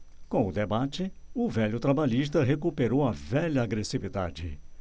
com o debate o velho trabalhista recuperou a velha agressividade